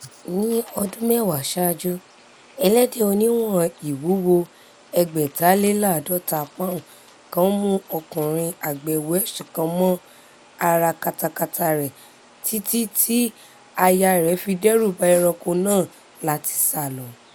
Ní ọdún mẹ́wàá ṣáájú, ẹlẹ́dẹ̀ oníwọ̀n ìwúwo ẹgbẹ̀taléláààdọ́ta pọ́un kan mú ọkùnrin àgbẹ̀ Welsh kan mọ́ ara katakata rẹ títí ti aya rẹ̀ fi dẹ́rùba ẹranko náà láti sálọ.